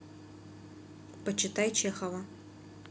почитай чехова